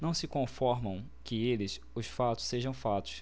não se conformam que eles os fatos sejam fatos